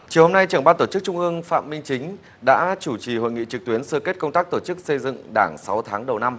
chiều hôm nay trưởng ban tổ chức trung ương phạm minh chính đã chủ trì hội nghị trực tuyến sơ kết công tác tổ chức xây dựng đảng sáu tháng đầu năm